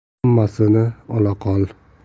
hammasini ola qol